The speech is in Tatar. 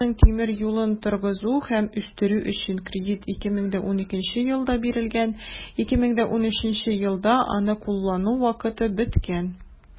Абхазиянең тимер юлын торгызу һәм үстерү өчен кредит 2012 елда бирелгән, 2013 елда аны куллану вакыты беткән.